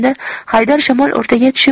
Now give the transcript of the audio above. haydar shamol o'rtaga tushib